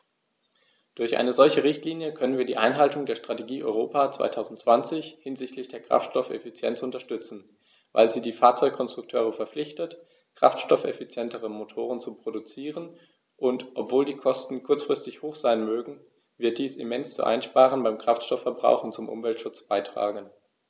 Durch eine solche Richtlinie können wir die Einhaltung der Strategie Europa 2020 hinsichtlich der Kraftstoffeffizienz unterstützen, weil sie die Fahrzeugkonstrukteure verpflichtet, kraftstoffeffizientere Motoren zu produzieren, und obwohl die Kosten kurzfristig hoch sein mögen, wird dies immens zu Einsparungen beim Kraftstoffverbrauch und zum Umweltschutz beitragen.